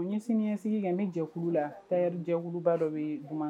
O ɲɛsinɲɛsigi kɛ bɛ jɛkulu la tarijɛkuluba dɔ bɛ kuma